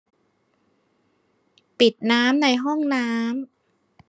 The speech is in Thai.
ปิดน้ำในห้องน้ำ